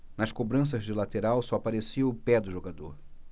nas cobranças de lateral só aparecia o pé do jogador